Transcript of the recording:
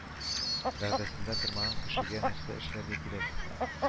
Вәгъдәсендә тормаган кешегә нәрсә эшләргә кирәк